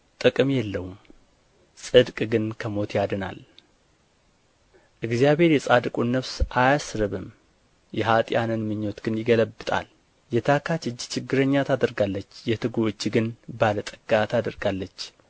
ጥቅም የለውም ጽድቅ ግን ከሞት ያድናል እግዚአብሔር የጻድቁን ነፍስ አያስርብም የኅጥኣንን ምኞት ግን ይገለብጣል የታካች እጅ ችግረኛ ታደርጋለች የትጉ እጅ ግን ባለጠጋ ታደርጋለች